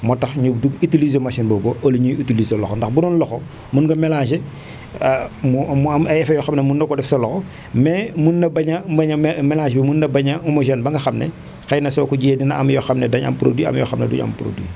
moo tax ñu du utilisé machine boobu au lieu ñuy utilisé loxo ndax bu doon loxo mun nga mélangé mu am mu am ay effet yoo xam ne mun na ko def sa loxo mais mun na bañ a bañ a mé mélange bi mun na bañ a homogène ba nga xam ne xëy na soo ko jiyee dina am yoo xam ne dinañ am produit am yoo xam ne du ñu am produit